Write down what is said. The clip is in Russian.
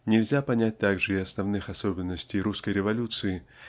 Нельзя понять также и основных особенностей русской революции